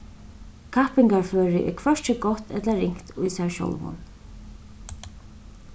kappingarføri er hvørki gott ella ringt í sær sjálvum